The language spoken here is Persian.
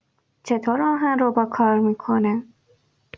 چطور آهن‌ربا کار می‌کنه؟